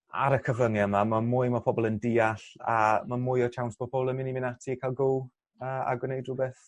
ar y cyfrynge yma ma' mwy ma' pobol yn deall a ma' mwy o tsiawns bo' pobol yn myn' i myn' ati a ca'l go a a gwneud rwbeth